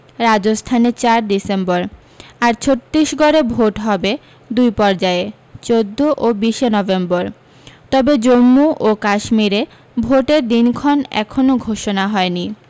রাজস্থানে চার ডিসেম্বর আর ছত্তিশগড়ে ভোট হবে দুই পর্যায়ে চোদ্দ ও বিশ এ নভেম্বর তবে জমমু ও কাশ্মীরে ভোটের দিনক্ষণ এখনও ঘোষণা হয়নি